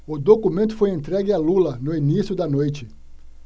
o documento foi entregue a lula no início da noite